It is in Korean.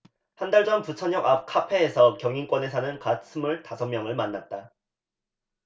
한 달 전 부천역 앞 카페에서 경인권에 사는 갓 스물 다섯 명을 만났다